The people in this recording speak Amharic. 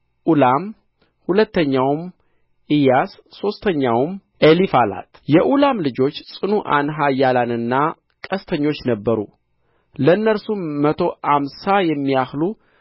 ኡላም ሁለተኛውም ኢያስ ሦስተኛውም ኤሊፋላት የኡላም ልጆች ጽኑዓን ኃያላንና ቀስተኞች ነበሩ ለእነርሱም መቶ አምሳ የሚያህሉ